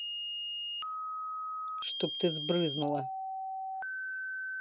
чтобы ты сбрызнула